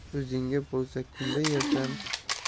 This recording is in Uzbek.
o'zingda bo'lsa kunda yersan